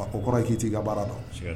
Ɔ kɔrɔ ye k'i t ɛi ka baara don !